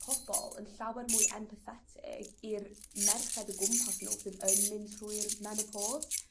pobol yn llawer mwy empathetig i'r merched o gwmpas n'w sydd yn mynd trwy'r menopos.